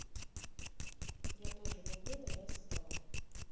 я тоже люблю давай задавай